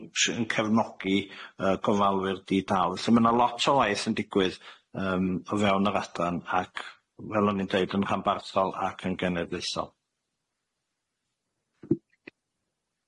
yn cefnogi yy cofalwyr di-dal so ma' na lot o waith yn digwydd yym o fewn yr adran ac fel o'n i'n deud yn rhanbarthol ac yn genedlaethol.